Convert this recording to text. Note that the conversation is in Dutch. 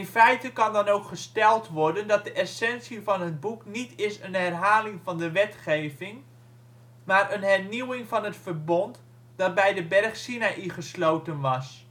kan dan ook gesteld worden dat de essentie van het boek niet is een herhaling van de wetgeving, maar een hernieuwing van het verbond dat bij de berg Sinai gesloten was